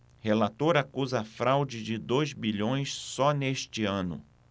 relator acusa fraude de dois bilhões só neste ano